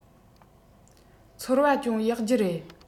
ཚོར བ ཅུང ཡག རྒྱུ རེད